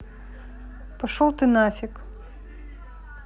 пошел ты на фиг